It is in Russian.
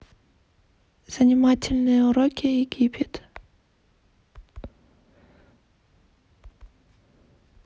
занимательные уроки египет